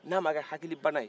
n'a ma kɛ hakilibana ye